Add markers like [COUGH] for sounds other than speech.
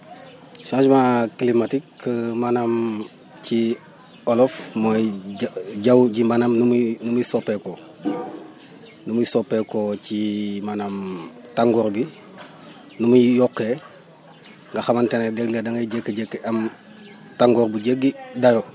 changement climatique maanaam ci olof mooy ja jaww ji maanaam nu muy nu muy soppeekoo [NOISE] nu muy soppeekoo ci maanaam tàngoor bi nu muy yokkee nga xamante ne léeg-léeg da ngay jékki-jékki am tàngoor bu jéggi dayoo